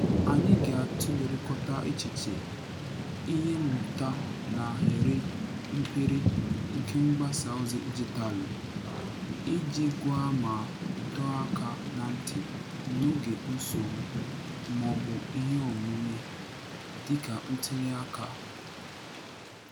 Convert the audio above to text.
Anyị ga-atụlerịkọta echiche, ihe mmụta na iri mperi nke mgbasaozi dijitaalụ iji gwa ma dọọ aka na ntị n'oge nsogbu maọbụ iheomume (dịka ntuliaka wdg...).